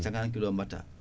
50 kilos mbatta